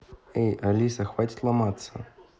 эй алиса хватит ломаться